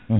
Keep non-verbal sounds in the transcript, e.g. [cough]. [hesitation] [hesitation]